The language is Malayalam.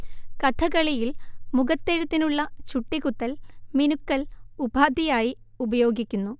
കഥകളിയിൽ മുഖത്തെഴുത്തിനുള്ള ചുട്ടികുത്തൽ മിനുക്കൽ ഉപാധിയായി ഉപയോഗിക്കുന്നു